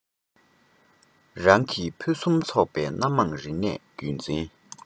རང གི ཕུན སུམ ཚོགས པའི སྣ མང རིག གནས རྒྱུན འཛིན